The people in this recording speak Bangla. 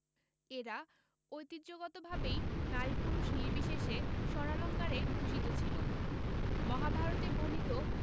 এরা ঐতিহ্যগতভাবেই নারী পুরুষ নির্বিশেষে স্বর্ণালঙ্কারে ভূষিত ছিল মহাভারতে বর্ণিত